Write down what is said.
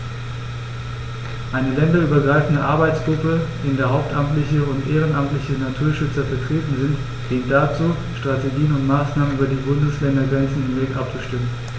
Eine länderübergreifende Arbeitsgruppe, in der hauptamtliche und ehrenamtliche Naturschützer vertreten sind, dient dazu, Strategien und Maßnahmen über die Bundesländergrenzen hinweg abzustimmen.